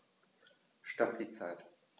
Stopp die Zeit